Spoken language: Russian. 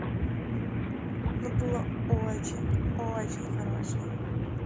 оно было очень очень хороший